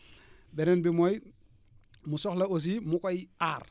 beneen bi mooy mu soxla aussi mu koy aar